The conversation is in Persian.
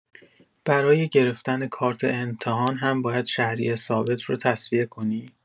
برای گرفتن کارت امتحان هم باید شهریه ثابت رو تسویه کنی؟